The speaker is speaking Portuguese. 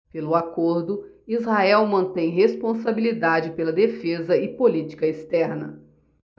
pelo acordo israel mantém responsabilidade pela defesa e política externa